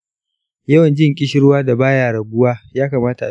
yawan jin kirshirwa da ba ya raguwa ya kamata a bincika.